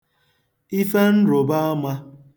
ife nrụ̀baamā